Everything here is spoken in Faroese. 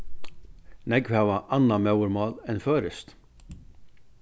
nógv hava annað móðurmál enn føroyskt